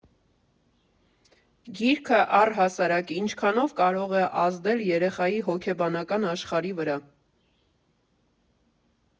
Գիրքը, առհասարակ, ինչքանո՞վ կարող է ազդել երեխայի հոգեբանական աշխարհի վրա։